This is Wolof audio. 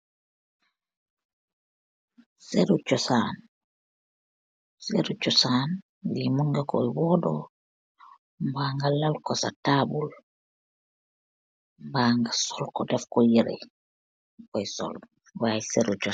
Seru chosaan, seru chosaan, li monga ko wodoo, mba nga lalko sa tabul, mba nga solko defko yereh, boi sol, y seru chosan.